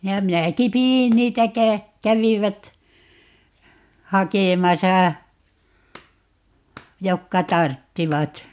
ja minäkin pidin niitä - kävivät hakemassa jotka tarvitsivat